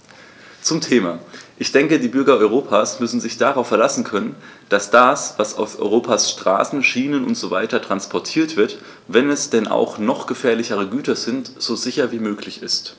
Zum Thema: Ich denke, die Bürger Europas müssen sich darauf verlassen können, dass das, was auf Europas Straßen, Schienen usw. transportiert wird, wenn es denn auch noch gefährliche Güter sind, so sicher wie möglich ist.